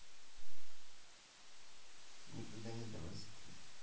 никогда не сдавайся три